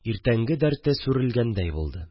Иртәнге дәрте сүрелгәндәй булды